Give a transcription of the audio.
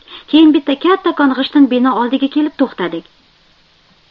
keyin bitta kattakon g'ishtin bino oldiga kelib to'xtadik